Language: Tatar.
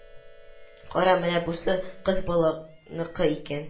Кара, менә бусы кыз баланыкы икән